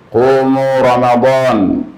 Ko mnabɔ